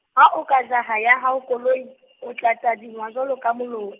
ha o ka jaha ya hao koloi, o tla tadingwa jwalo ka moloi.